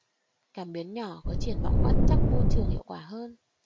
cảm biến nhỏ có triển vọng quan trắc môi trường hiệu quả hơn